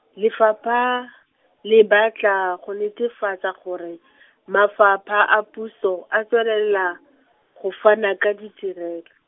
Lefapha, le batla go netefatsa gore , mafapha a puso a tswelela, go fana ka ditirelo.